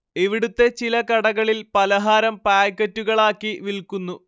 ഇവിടുത്തെ ചില കടകളിൽ പലഹാരം പായ്ക്കറ്റുകളാക്കി വിൽക്കുന്നു